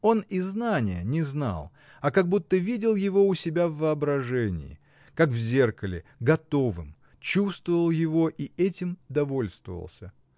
Он и знание — не знал, а как будто видел его у себя в воображении, как в зеркале, готовым, чувствовал его и этим довольствовался